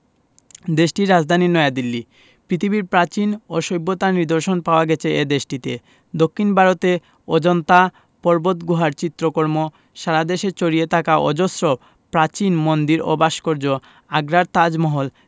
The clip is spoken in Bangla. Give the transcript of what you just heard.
দেশটির রাজধানী নয়াদিল্লী পৃথিবীর প্রাচীন ও সভ্যতার নিদর্শন পাওয়া গেছে এ দেশটিতে দক্ষিন ভারতে অজন্তা পর্বতগুহার চিত্রকর্ম সারা দেশে ছড়িয়ে থাকা অজস্র প্রাচীন মন্দির ও ভাস্কর্য আগ্রার তাজমহল